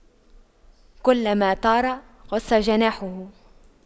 كلما طار قص جناحه